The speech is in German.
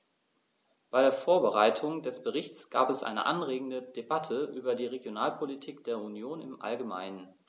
Bei der Vorbereitung des Berichts gab es eine anregende Debatte über die Regionalpolitik der Union im allgemeinen.